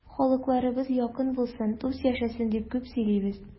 Халыкларыбыз якын булсын, дус яшәсен дип күп сөйлибез.